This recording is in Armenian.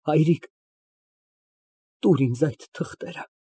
Հայրիկ, տուր ինձ այդ թղթերը։